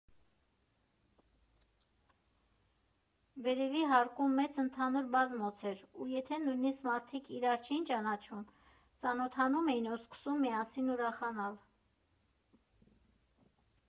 Վերևի հարկում մեծ ընդհանուր բազմոց էր ու եթե նույնիսկ մարդիկ իրար չէին ճանաչում, ծանոթանում էին ու սկսում միասին ուրախանալ։